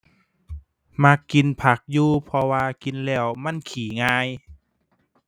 มักกินผักอยู่ เพราะว่ากินแล้วมันขี้ง่าย